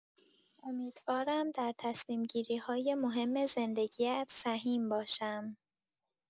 امیدوارم در تصمیم‌گیری‌های مهم زندگی‌ات سهیم باشم.